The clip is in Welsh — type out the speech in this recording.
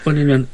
O'n i'n me'wl.